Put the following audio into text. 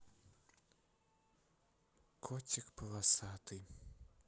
котик полосатый